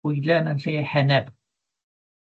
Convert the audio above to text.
Bwydlen yn lle heneb.